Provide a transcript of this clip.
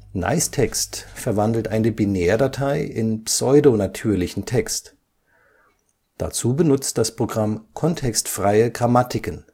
Nicetext verwandelt eine Binärdatei in pseudo-natürlichen Text. Dazu benutzt das Programm kontextfreie Grammatiken